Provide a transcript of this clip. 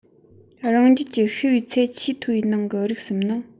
རང རྒྱལ གྱི ཤི བའི ཚད ཆེས མཐོ བའི ནང གི རིགས གསུམ ནི